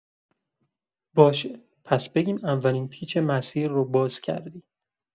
باشه، پس بگیم اولین پیچ مسیر رو باز کردی.